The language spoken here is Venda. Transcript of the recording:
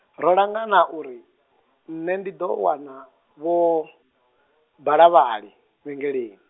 ro langana uri, nṋe ndi ḓo wana, Vho Balavhali, vhengeleni.